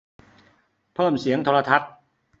เพิ่มเสียงโทรทัศน์